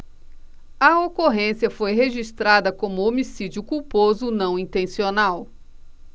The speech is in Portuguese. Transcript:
a ocorrência foi registrada como homicídio culposo não intencional